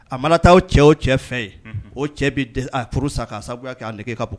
A mana taa cɛ o cɛ fɛn yen o cɛ bɛ a furu sa ka sabu kɛ'anke e ka